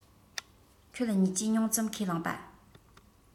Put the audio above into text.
ཁྱོད གཉིས ཀྱིས ཉུང ཙམ ཁས བླངས པ